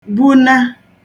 -buna